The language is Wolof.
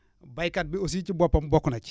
béykat bi aussi ci boppam bokk na ci